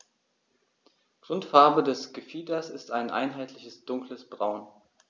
Grundfarbe des Gefieders ist ein einheitliches dunkles Braun.